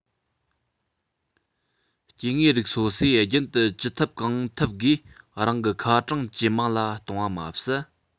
སྐྱེ དངོས རིགས སོ སོས རྒྱུན དུ ཅི ཐུབ གང ཐུབ སྒོས རང གི ཁ གྲངས ཇེ མང ལ གཏོང བ མ ཟད